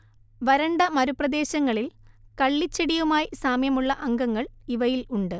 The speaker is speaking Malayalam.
വരണ്ട മരുപ്രദേശങ്ങളിൽ കള്ളിച്ചെടിയുമായി സാമ്യമുള്ള അംഗങ്ങൾ ഇവയിൽ ഉണ്ട്